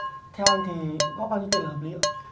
theo anh thì góp bao nhiêu tiền là hợp lí ạ